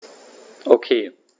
Okay.